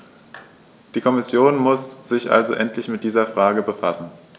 Die Kommission muss sich also endlich mit dieser Frage befassen.